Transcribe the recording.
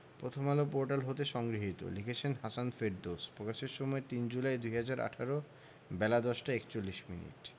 Prothom Alo portal হতে সংগৃহীত লিখেছেন হাসান ফেরদৌস প্রকাশের সময় ৩ জুলাই ২০১৮ বেলা ১০টা ৪১মিনিট